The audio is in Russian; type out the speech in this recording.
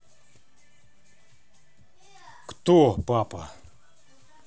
кто папа